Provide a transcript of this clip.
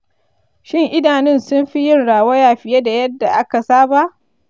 shin idanun sun fi yin rawaya fiye da yadda aka saba?